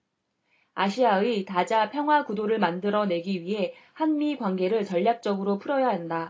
아시아의 다자 평화구도를 만들어 내기 위해 한 미 관계를 전략적으로 풀어야 한다